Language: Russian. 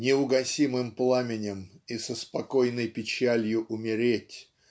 неугасимым пламенем и с спокойной печалью умереть